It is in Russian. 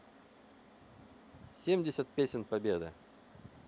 семьдесят песен победы